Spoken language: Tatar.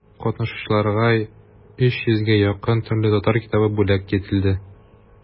Катнашучыларга өч йөзгә якын төрле татар китабы бүләк ителде.